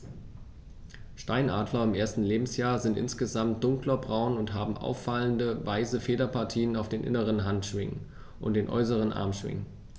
Steinadler im ersten Lebensjahr sind insgesamt dunkler braun und haben auffallende, weiße Federpartien auf den inneren Handschwingen und den äußeren Armschwingen.